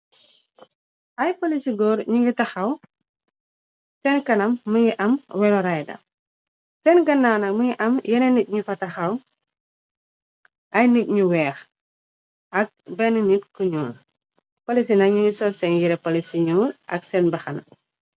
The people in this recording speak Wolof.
Ay polisi góor ñi ngi taxaw, seen kanam mi ngi am welo rida , seen ganna na mingi am yeneen nit ñu fa taxaw ay nit ñu weex ak benn nit ku ñuul. Polisi nka ñi ngi sol seen yire polis si ñuul ak seen baxana.